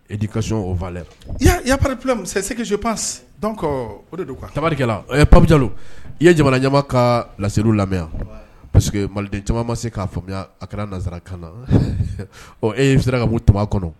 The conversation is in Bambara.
E' kasɔn o' la yaseso pa o de don ka tari la paja i ye jamana ɲɛma ka layi lamɛn parce que mandenden caman ma se ka'a faamuya a kɛra nanzsara kan na ɔ e sera ka bɔ tu kɔnɔ